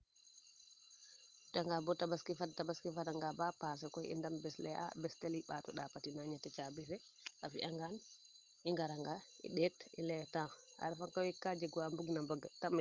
o reta nga bo tabaski fad tabaski fada nga ba passer koy i ndem bes leye a bes temps i mbaato ndaapa tina njeti caabi ne a fiya ngaan i ngara nga i ndeet i leye temps a refa koy kaa jeg waa mbung na mbog